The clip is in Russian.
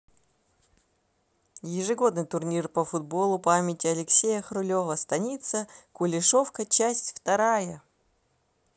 ежегодный турнир по футболу памяти алексея хрулева станица кулешовка часть вторая